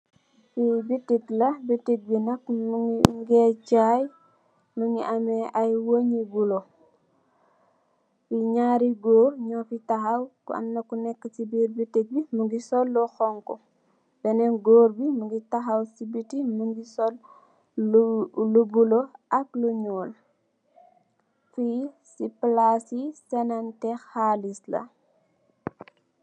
Li bitik la bitik bi nyunge jai munge am wenj yu bulah nyarri goor nyufi takhaw amna kuneku si birr bitik b munge sul lu xhong khu benen goor bi munge takhaw si sul lu bulah ak lu nyul si si palasi senante khaliss la